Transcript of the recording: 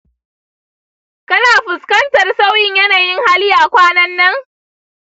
kana fuskantar sauyin yanayin hali a kwanan nan?